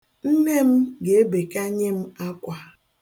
Nne m ga-ebekanye m akwa ya.